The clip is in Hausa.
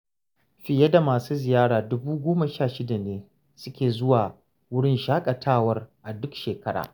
Fiye da masu ziyara 16,000 ne suke zuwa wurin shaƙatawar a duk shekara.